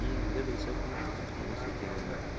endi bilsam u qiziq emas ekan